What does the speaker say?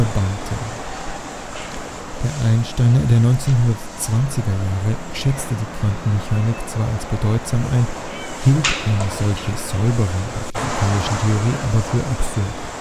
verbannte. Der Einstein der 1920er Jahre schätzte die Quantenmechanik zwar als bedeutsam ein, hielt eine solche Säuberung einer physikalischen Theorie aber für absurd